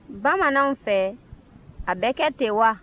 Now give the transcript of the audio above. bamananw fɛ a bɛ kɛ ten wa